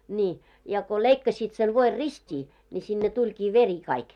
niin ja kun leikkasivat sen voin ristiin niin sinne tulikin veri kaikki